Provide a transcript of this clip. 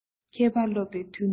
མཁས པ སློབ པའི དུས ན སྡུག